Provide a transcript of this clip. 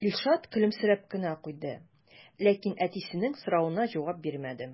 Илшат көлемсерәп кенә куйды, ләкин әтисенең соравына җавап бирмәде.